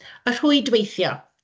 Y rhwydweithio.